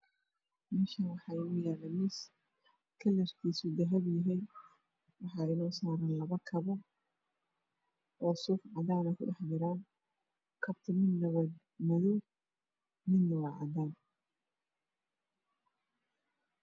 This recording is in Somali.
Halkan waxaa yala mis kalarkisu dahabi yahy waxaa saran laba kabo oo suf cadana ku jiro midabkeedu waa madow midna waa cadan